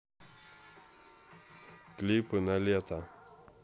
клипы не лето